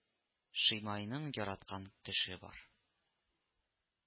Шимайның яраткан төше бар